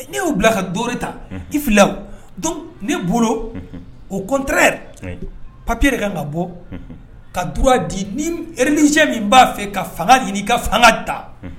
Ni e y'o bila ka dɔ wɛrɛ ta, unhun, i filila wo, donc ne bolo, au contraire, papier de ka kan ka bɔ , unhun, droit di ni religieux min b'a fɛ ka fanga ɲini i ka fanga ta, unhun.